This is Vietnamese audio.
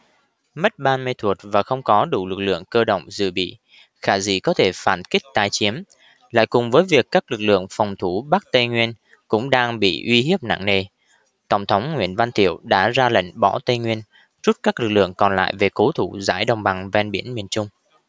mất ban mê thuột và không có đủ lực lượng cơ động dự bị khả dĩ có thể phản kích tái chiếm lại cùng với việc các lực lượng phòng thủ bắc tây nguyên cũng đang bị uy hiếp nặng nề tổng thống nguyễn văn thiệu đã ra lệnh bỏ tây nguyên rút các lực lượng còn lại về cố thủ giải đồng bằng ven biển miền trung